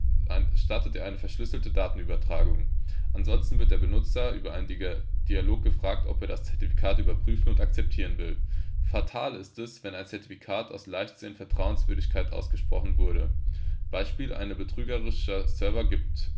er eine verschlüsselte Datenübertragung. Ansonsten wird der Benutzer über einen Dialog gefragt, ob er das Zertifikat überprüfen und akzeptieren will. Fatal ist es, wenn einem Zertifikat aus Leichtsinn Vertrauenswürdigkeit ausgesprochen wurde. Beispiel: Ein betrügerischer Server gibt